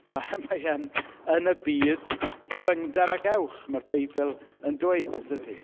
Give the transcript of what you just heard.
Ma' mae e'n, yn y byd "cyfyngder a gewch", mae'r Beibl yn dweud yn dydi?